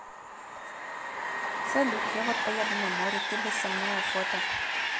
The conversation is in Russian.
салют я вот поеду на море ты бы со мной охота